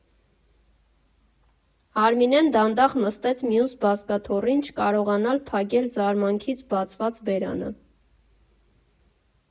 Արմինեն դանդաղ նստեց մյուս բազկաթոռին՝ չկարողանալ փակել զարմանքից բացված բերանը։